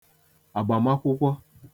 àgbàmakwụwkọ